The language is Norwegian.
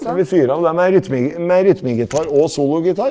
skal vi fyre av den med med rytmegitar og sologitar?